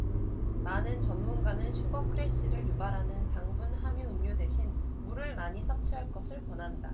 많은 전문가는 슈거 크래시를 유발하는 당분 함유 음료 대신 물을 많이 섭취할 것을 권한다